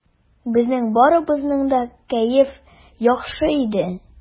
Безнең барыбызның да кәеф яхшы иде.